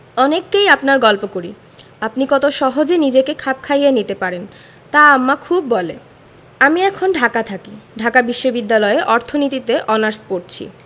অনেককেই আপনার গল্প করি আপনি কত সহজে নিজেকে খাপ খাইয়ে নিতে পারেন তা আম্মা খুব বলে আমি এখন ঢাকা থাকি ঢাকা বিশ্ববিদ্যালয়ে অর্থনীতিতে অনার্স পরছি